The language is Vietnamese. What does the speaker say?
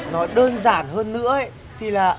nói đơn giản hơn nữa thì là